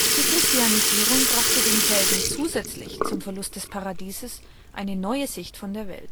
Die Christianisierung brachte den Kelten zusätzlich zum Verlust des Paradieses ein neue Sicht von der Welt